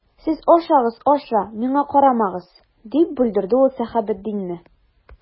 Сез ашагыз, аша, миңа карамагыз,— дип бүлдерде ул Сәхәбетдинне.